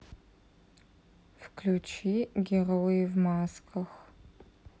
включи герои в масках